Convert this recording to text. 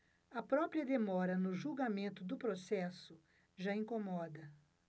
a própria demora no julgamento do processo já incomoda